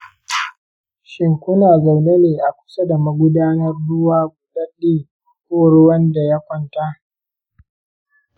shin kuna zaune a kusa da magudanar ruwa buɗaɗɗe ko ruwan da ya kwanta?